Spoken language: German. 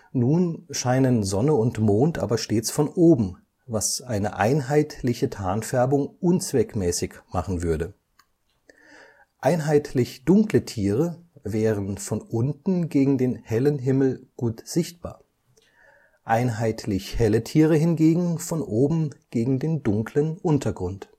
Nun scheinen Sonne und Mond aber stets von oben, was eine einheitliche Tarnfärbung unzweckmäßig machen würde: Einheitlich dunkle Tiere wären von unten gegen den hellen Himmel gut sichtbar, einheitlich helle Tiere hingegen von oben gegen den dunklen Untergrund